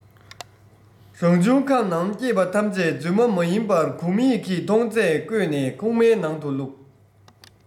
རང བྱུང ཁམས ནང སྐྱེས པ ཐམས ཅད རྫུན མ མིན པར གོ མིག གིས མཐོང ཚད བརྐོས ནས ཁུག མའི ནང དུ བླུགས